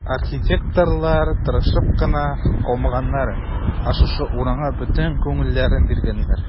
Архитекторлар тырышып кына калмаганнар, ә шушы урынга бөтен күңелләрен биргәннәр.